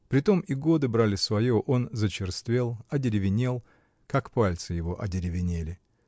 притом и годы брали свое: он зачерствел, одеревенел, как пальцы его одеревенели.